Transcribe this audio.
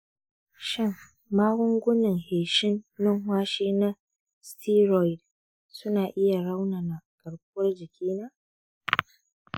shin magungunan feshin numfashi na steroid suna iya raunana garkuwar jikina?